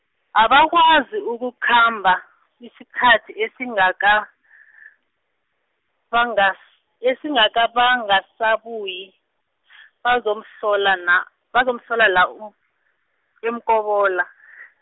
abakwazi ukukhamba, isikhathi esingaka , bangas- esingaka bangasabuyi , bazomhlola na bazomhlola la, eMkobola .